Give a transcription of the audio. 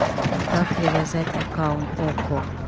как привязать аккаунт окко